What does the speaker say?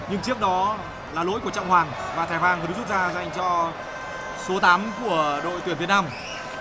nhưng trước đó là lỗi của trọng hoàng và thẻ vàng rút ra dành cho số tám của đội tuyển việt nam